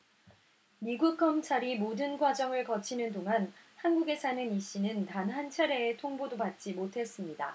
미국 검찰이 모든 과정을 거치는 동안 한국에 사는 이 씨는 단 한차례의 통보도 받지 못했습니다